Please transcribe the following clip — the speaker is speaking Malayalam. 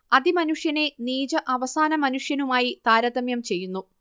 അതിമനുഷ്യനെ നീച്ച അവസാനമനുഷ്യനുമായി താരതമ്യം ചെയ്യുന്നു